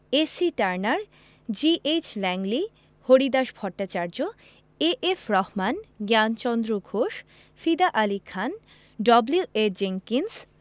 AC Turner G H Langley Haridas Bhattacharya A F Rahman Gyanchandra Ghosh Fida Ali Khan W A Jenkins